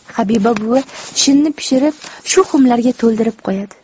habiba buvi shinni pishirib shu xumlarga to'ldirib qo'yadi